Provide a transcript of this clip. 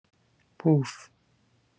بوف